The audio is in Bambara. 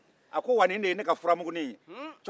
a ko wa nin de ye ne ka furamugunin ye